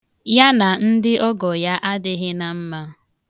Ya na ndị ọgọ ya adịghị na mma.